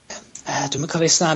yy yy dwi'm yn cofio os na...